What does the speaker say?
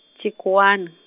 Tshikhuwani.